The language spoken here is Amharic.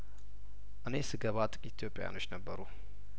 እኔ ስገባ ጥቂት ኢትዮጵያኖች ነበሩ